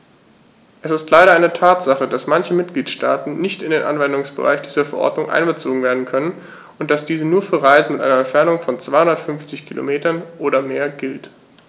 Es ist leider eine Tatsache, dass manche Mitgliedstaaten nicht in den Anwendungsbereich dieser Verordnung einbezogen werden können und dass diese nur für Reisen mit einer Entfernung von 250 km oder mehr gilt.